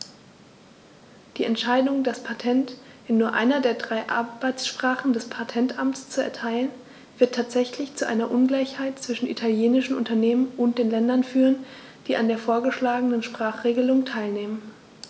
Die Entscheidung, das Patent in nur einer der drei Arbeitssprachen des Patentamts zu erteilen, wird tatsächlich zu einer Ungleichheit zwischen italienischen Unternehmen und den Ländern führen, die an der vorgeschlagenen Sprachregelung teilnehmen.